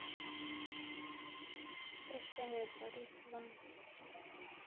прощание с борисовым